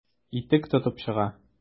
Итек тотып чыга.